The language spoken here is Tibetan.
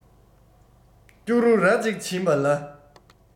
སྐྱུ རུ ར གཅིག བྱིན པ ལ